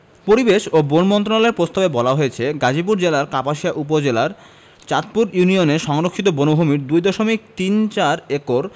পরিবেশ ও বন মন্ত্রণালয়ের প্রস্তাবে বলা হয়েছে গাজীপুর জেলার কাপাসিয়া উপজেলার চাঁদপুর ইউনিয়নের সংরক্ষিত বনভূমির ২ দশমিক তিন চার একর